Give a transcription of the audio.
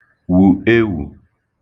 wù ewù